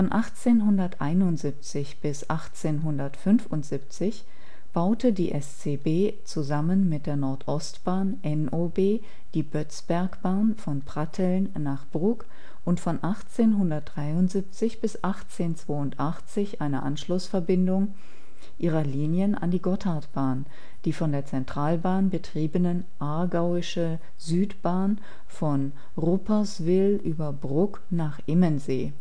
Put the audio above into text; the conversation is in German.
1871 bis 1875 baute die SCB zusammen mit der Nordostbahn (NOB) die Bötzbergbahn von Pratteln nach Brugg und von 1873 bis 1882 eine Anschlussverbindung ihrer Linien an die Gotthardbahn, die von der Centralbahn betriebenen Aargauische Südbahn von Rupperswil über Brugg nach Immensee